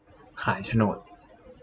ขายโฉนด